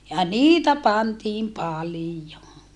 ja niitä pantiin paljon